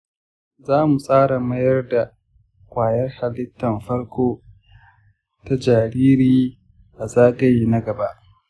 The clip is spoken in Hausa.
za mu tsara mayar da ƙwayar halittan farko ta jariri a zagaye na gaba.